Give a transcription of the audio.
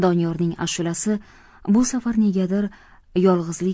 doniyorning ashulasi bu safar negadir yolg'izlik